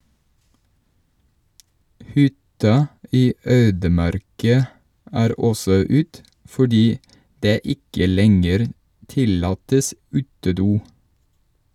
Hytta i ødemarka er også ut, fordi det ikke lenger tillates utedo.